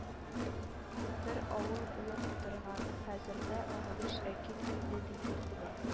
Бер авыл булып утырган, хәзердә мамадыш-әкил иле дип йөртелә